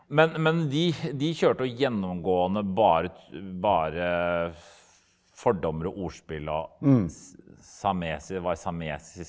men men de de kjørte jo gjennomgående bare bare fordommer og ordspill og var.